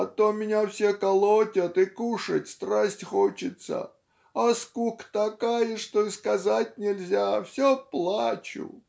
а то меня все колотят и кушать страсть хочется а скука такая что и сказать нельзя все плачу.